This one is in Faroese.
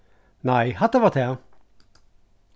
nei hatta var tað